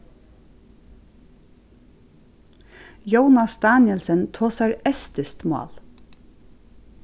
jónas danielsen tosar estiskt mál